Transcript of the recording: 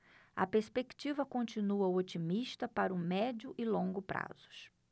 a perspectiva continua otimista para o médio e longo prazos